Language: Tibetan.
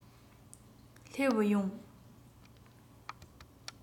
སླེབས ཡོང